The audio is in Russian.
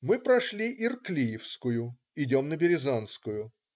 Мы прошли Ирклиевскую - идем на Березанскую.